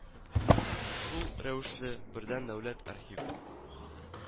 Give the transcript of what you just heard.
Шул рәвешле, бердәм дәүләт архив